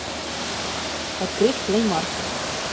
открыть плеймаркет